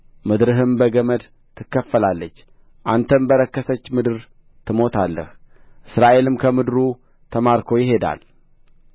ምድርህም በገመድ ትከፈላለች አንተም በረከሰች ምድር ትሞታለህ እስራኤልም ከምድሩ ተማርኮ ይሄዳል